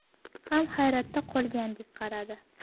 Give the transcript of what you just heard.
ham hayratda qolgandek qaradi